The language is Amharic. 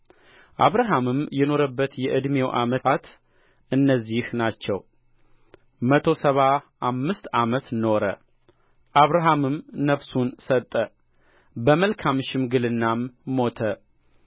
አብርሃምም የኖረበት የዕድሜው ዓመታት እነዚህ ናቸው መቶ ሰባ አምስት ዓመት ኖረ አብርሃምም ነፍሱን ሰጠ በመልካም ሽምግልናም ሞተ